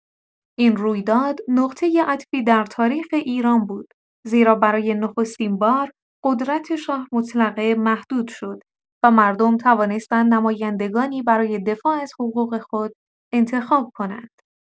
این رویداد نقطه عطفی در تاریخ ایران بود زیرا برای نخستین‌بار قدرت شاه مطلقه محدود شد و مردم توانستند نمایندگانی برای دفاع از حقوق خود انتخاب کنند.